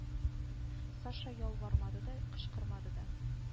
Саша ялвармады да кычкырмады да